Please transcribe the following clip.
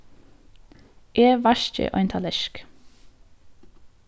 eg vaski ein tallerk